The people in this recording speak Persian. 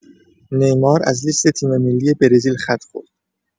نیمار از لیست تیم‌ملی برزیل خط خورد!